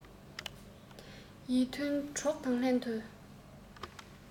ཡིད མཐུན གྲོགས དང ལྷན ཏུ